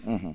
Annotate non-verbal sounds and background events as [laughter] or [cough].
[hesitation] [hesitation]